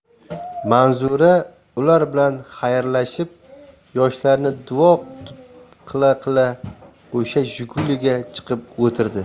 manzura ular bilan xayrlashib yoshlarni duo qila qila o'sha jiguli ga chiqib o'tirdi